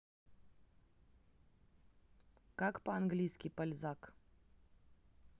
как по английски пользак